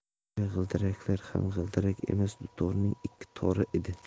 go'yo g'ildiraklar ham g'ildirak emas dutorning ikki tori edi